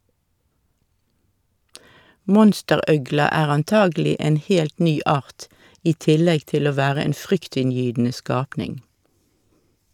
Monsterøgla er antagelig en helt ny art, i tillegg til å være en fryktinngytende skapning.